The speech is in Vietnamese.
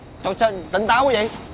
chời sao tỉnh táo quá dậy